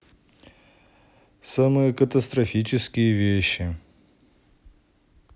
самые катастрофические вещи